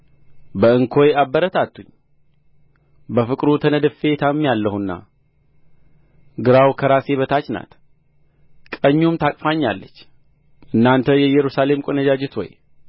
በእንኮይ አበረታቱኝ በፍቅሩ ተነድፌ ታምሜያለሁና ግራው ከራሴ በታች ናት ቀኙም ታቅፈኛለች እናንተ የኢየሩሳሌም ቈነጃጅት ሆይ